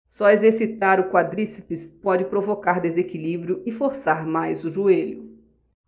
só exercitar o quadríceps pode provocar desequilíbrio e forçar mais o joelho